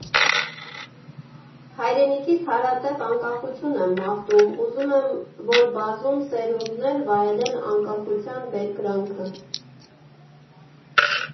Հայրենիքիս հարատև անկախություն եմ մաղթում, ուզում եմ, որ բազում սերունդներ վայելեն անկախության բերկրանքը։